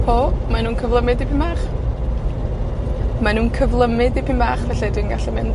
O! Mae nw'n cyflymu dipyn bach. Mae nw'n cyflymu dipyn bach, felly dwi'n gallu mynd